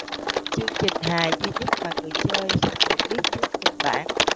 chương trình hài duy nhất mà người chơi không được biết trước kịch bản